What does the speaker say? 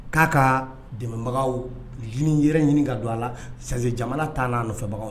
K'a ka dɛmɛbagaw ɲini, yɛrɛ ɲini ka don a la. jamana ta n'a nɔfɛbagaw